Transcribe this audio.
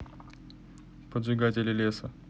поджигатели леса